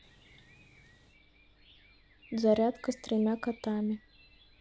зарядка с тремя котами